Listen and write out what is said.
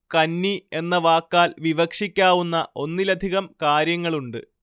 കന്നി എന്ന വാക്കാല്‍ വിവക്ഷിക്കാവുന്ന ഒന്നിലധികം കാര്യങ്ങളുണ്ട്